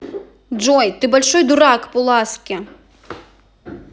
джой ты большой дурак пуласки